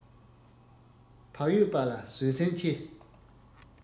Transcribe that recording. བག ཡོད པ ལ བཟོད སྲན ཆེ